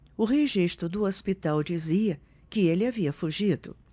o registro do hospital dizia que ele havia fugido